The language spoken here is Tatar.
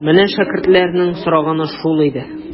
Менә шәкертләрнең сораганы шул иде.